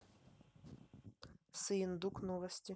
сыендук новости